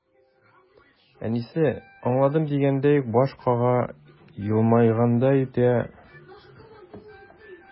Әнисе, аңладым дигәндәй баш кага, елмайгандай итә.